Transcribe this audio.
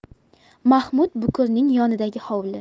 mahmud bukurning yonidagi hovli